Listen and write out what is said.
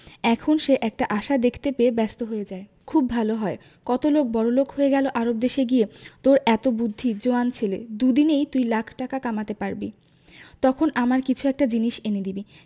এখন সে একটা আশা দেখতে পেয়ে ব্যস্ত হয়ে যায় খুব ভালো হয় কত লোক বড়লোক হয়ে গেল আরব দেশে গিয়ে তোর এত বুদ্ধি জোয়ান ছেলে দুদিনেই তুই লাখ টাকা কামাতে পারবি তখন আমার কিছু একটা জিনিস এনে দিবি